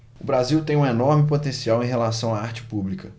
o brasil tem um enorme potencial em relação à arte pública